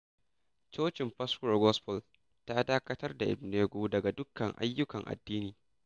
Cocin Foursƙuare Gospel Church ta dakatar da Igbeneghu "daga dukkan aiyukan addini".